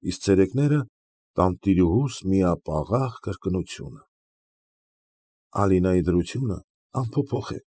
Իսկ ցերեկները տանտիրուհուս միապաղաղ կրկնությունը. ֊ Ալինայի դրությունն անփոփոխ է։